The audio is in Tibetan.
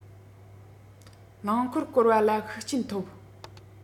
རློང འཁོར བསྐོར བ ལ ཤུགས རྐྱེན ཐོབ